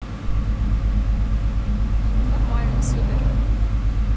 нормально супер